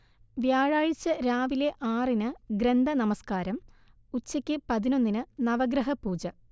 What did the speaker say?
വ്യാഴാഴ്ച രാവിലെ ആറിന് ഗ്രന്ഥ നമസ്കാരം, ഉച്ചയ്ക്ക് പതിനൊന്നിന് നവഗ്രഹപൂജ